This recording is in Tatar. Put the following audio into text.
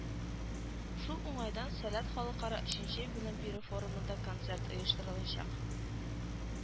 Шул уңайдан “Сәләт” Халыкара өченче белем бирү форумында концерт оештырылачак